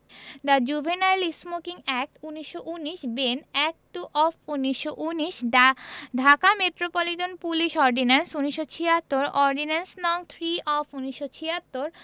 The juvenile smoking act ১৯১৯ Ben. Act two of ১৯১৯ the Dhaka metropolitan police ordinance ১৯৭৬ ordinance. নং. Three of ১৯৭৬